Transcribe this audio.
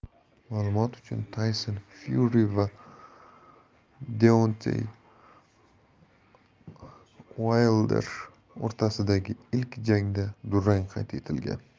ma'lumot uchun tayson fyuri va deontey uaylder o'rtasidagi ilk jangda durang qayd etilgan